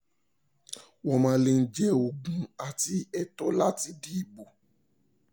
Wọ́n máa lè jẹ ogún àti ẹ̀tọ́ láti di ìbò.